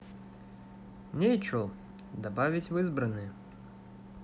добавить в избранное